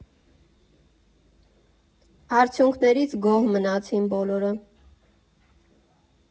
Արդյունքներից գոհ մնացին բոլորը։